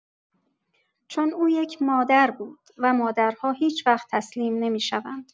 چون او یک مادر بود، و مادرها هیچ‌وقت تسلیم نمی‌شوند.